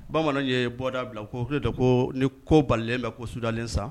Bamananw ye bɔda bila ko ne ko ni kobalen bɛ ko sudalen san